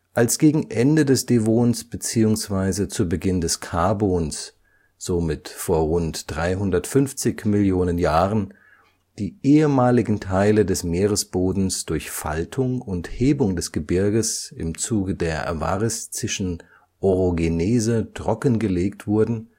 Als gegen Ende des Devons bzw. zu Beginn des Karbons – somit vor rund 350 Millionen Jahren – die ehemaligen Teile des Meeresbodens durch Faltung und Hebung des Gebirges im Zuge der Variszischen Orogenese trockengelegt wurden